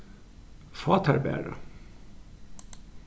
fá tær bara